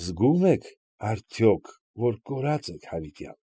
Զգո՞ւմ եք, արդյոք, որ կորած եք հավիտյան։